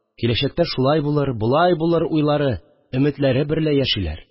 Киләчәктә шулай булыр, болай булыр» уйлары, өметләре берлә яшиләр